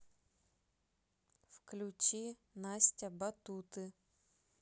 включи настя батуты